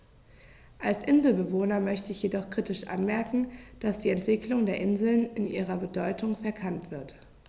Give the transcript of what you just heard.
Als Inselbewohner möchte ich jedoch kritisch anmerken, dass die Entwicklung der Inseln in ihrer Bedeutung verkannt wird.